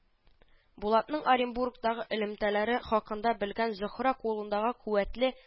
Булатның Оренбургтагы элемтәләре хакында белгән Зөһрә кулындагы куәтле